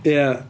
Ia.